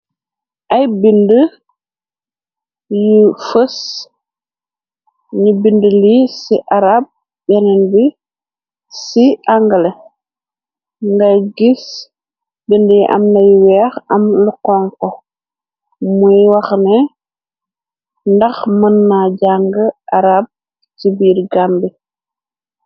Ay bindi yu fës ñi bind lii ci arab beneen bi ci angale ngay gis bind yi am nay weex am luxonko muy waxne ndax mën na jàng arab ci biir gambi.